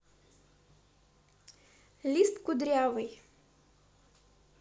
лист кудрявый